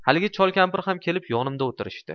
haligi chol kampir ham kelib yonimda o'tirishdi